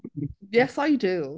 Yes I do.